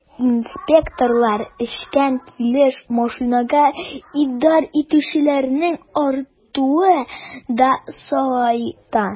Инспекторларны эчкән килеш машинага идарә итүчеләрнең артуы да сагайта.